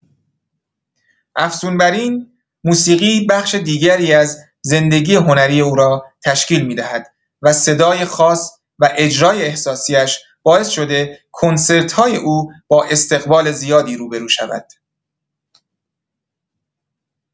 افزون بر این، موسیقی بخش دیگری از زندگی هنری او را تشکیل می‌دهد و صدای خاص و اجرای احساسی‌اش باعث شده کنسرت‌های او با استقبال زیادی روبه‌رو شود.